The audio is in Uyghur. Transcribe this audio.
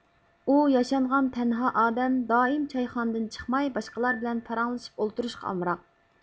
ئۇ ياشانغان تەنھا ئادەم دائىم چايخانىدىن چىقماي باشقىلار بىلەن پاراڭلىشىپ ئولتۇرۇشقا ئامراق